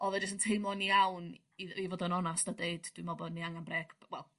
odd e jyst yn teimlo'n iawn i i fod yn onast a deud dwi me'wl bo' ni angan brêc wel